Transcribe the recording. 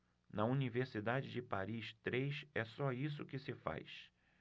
na universidade de paris três é só isso que se faz